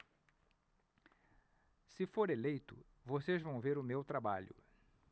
se for eleito vocês vão ver o meu trabalho